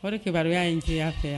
O de kibaruyariya in cɛya fɛ